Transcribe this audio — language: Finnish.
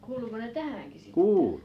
kuuluiko ne tähänkin sitten